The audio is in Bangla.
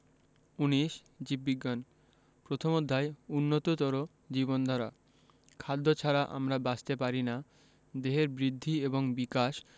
১৯ জীববিজ্ঞান প্রথম অধ্যায় উন্নততর জীবনধারা খাদ্য ছাড়া আমরা বাঁচতে পারি না দেহের বৃদ্ধি এবং বিকাশ